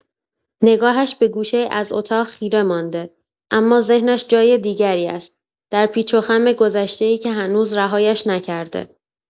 نگاهش به گوشه‌ای از اتاق خیره مانده، اما ذهنش جای دیگری است، در پیچ‌وخم گذشته‌ای که هنوز رهایش نکرده.